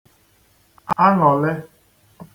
aṅụ̀lị